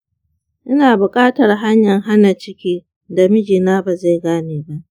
ina bukatar hanyar hana ciki da mijina ba zai gane ba.